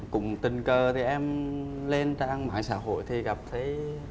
cũng tình cờ thì em lên trang mạng xã hội thì gặp thế